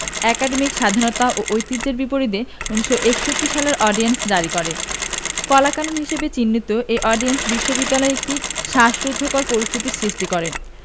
academic স্বাধীনতা ও ঐতিহ্যের বিপরীতে ১৯৬১ সালের অর্ডিন্যান্স জারি করে কালাকানুন হিসেবে চিহ্নিত এ অর্ডিন্যান্স বিশ্ববিদ্যালয়ে একটি শ্বাসরুদ্ধকর পরিস্থিতির সৃষ্টি করে